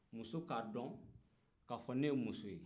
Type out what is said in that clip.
muso k'a don k'a fɔ ne muso ye